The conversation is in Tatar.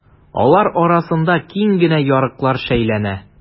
Алар арасында киң генә ярыклар шәйләнә.